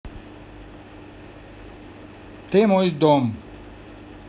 ты мой дом